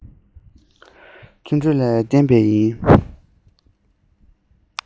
བརྩོན འགྲུས ལ བརྟེན པས ཡིན